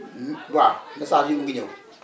waaw message messages yi mu ngi ñëw